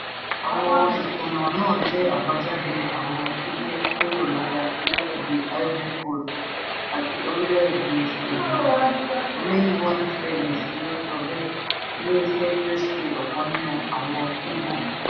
Àwọn ìkùnà náà jẹ́ àbájáde àwọn gígé kúrò lára orílẹ̀ èdè Ivory Coast àti orílẹ̀ èdè Senegal, Main One Service ni ó sọ bẹ́ẹ̀, ilé iṣẹ́ tí ó ṣe ọkàn nínú àwọn kébù.